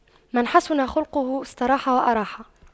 من حسن خُلُقُه استراح وأراح